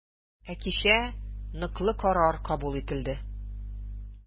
Ә кичә ныклы карар кабул ителде.